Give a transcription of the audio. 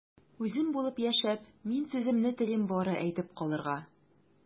Үзем булып яшәп, мин сүземне телим бары әйтеп калырга...